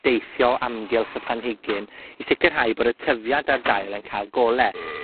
deithio o amgylch y planhigyn, i sicirhau bod y tyfiant ar dail yn cael gole,